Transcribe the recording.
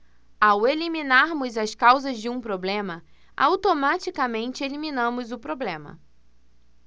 ao eliminarmos as causas de um problema automaticamente eliminamos o problema